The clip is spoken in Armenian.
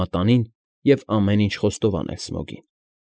Մատանին և ամեն ինչ խոստովանել Սմոգին։